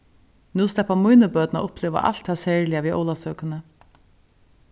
nú sleppa míni børn at uppliva alt tað serliga við ólavsøkuni